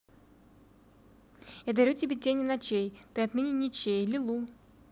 я дарю тебе тени ночей ты отныне ничей лилу